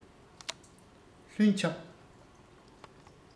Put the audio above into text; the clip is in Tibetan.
ལྷུན ཆགས